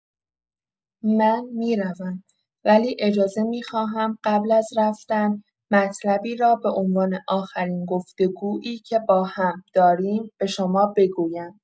من می‌روم، ولی اجازه می‌خواهم قبل از رفتن، مطلبی را به‌عنوان آخرین گفت‌وگویی که باهم داریم، به شما بگویم.